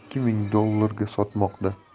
ikki ming dollarga sotmoqda